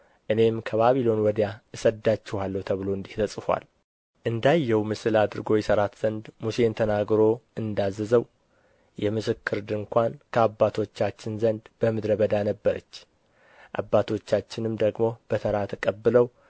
እኔም ከባቢሎን ወዲያ እሰዳችኋለሁ ተብሎ እንዲህ ተጽፎአል እንዳየው ምስል አድርጎ ይሠራት ዘንድ ሙሴን ተናግሮ እንዳዘዘው የምስክር ድንኳን ከአባቶቻችን ዘንድ በምድረ በዳ ነበረች አባቶቻችንም ደግሞ በተራ ተቀብለው